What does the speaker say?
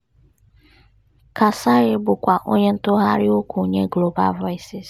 Kassaye bụkwa onye ntụgharị okwu nye Global Voices.